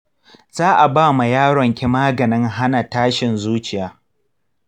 za'a ba ma yaron ki maganin hana tashin zuciya.